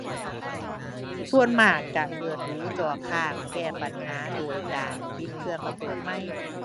ส่วนมากก็เกิดดู๋ จอค้าง แก้ปัญหาโดยการปิดเครื่องแล้วเปิดใหม่